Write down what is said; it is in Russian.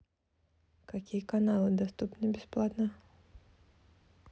какие каналы доступны бесплатно